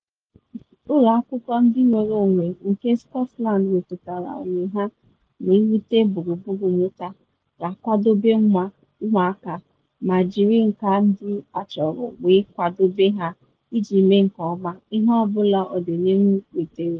Ụlọ akwụkwọ ndị nnwere onwe nke Scotland wepụtara onwe ha na iwete gburugburu mmụta ga-akwadobe ụmụaka ma jiri nka ndị achọrọ wee kwadobe ha iji mee nke ọma, ihe ọ bụla ọdịnihu wetere.